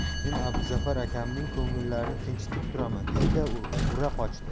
men abduzafar akamning ko'ngillarini tinchitib turaman dedida ura qochdi